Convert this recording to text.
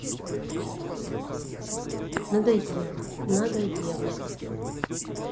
надоело надо ева